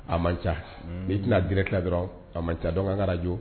A man ca n'i tena direct la dɔrɔn a man ca donc an ŋa radio